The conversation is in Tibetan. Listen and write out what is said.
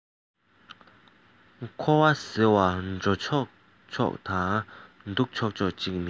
འཁོར བ ཟེར བ འགྲོ ཆོག ཆོག དང འདུག ཆོག ཆོག ཅིག མིན